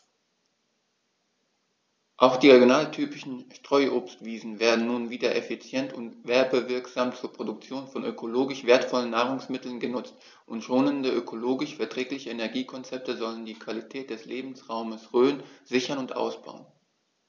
Auch die regionaltypischen Streuobstwiesen werden nun wieder effizient und werbewirksam zur Produktion von ökologisch wertvollen Nahrungsmitteln genutzt, und schonende, ökologisch verträgliche Energiekonzepte sollen die Qualität des Lebensraumes Rhön sichern und ausbauen.